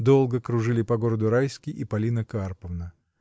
Долго кружили по городу Райский и Полина Карповна.